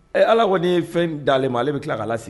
Ee Ala kɔnni ye fɛn d'ale ma, ale bɛ tila k'a la seg